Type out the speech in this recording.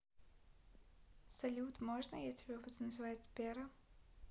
салют можно я тебя буду называть сбера